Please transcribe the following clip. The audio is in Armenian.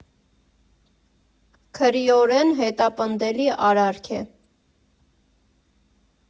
Քրեորեն հետապնդելի արարք է։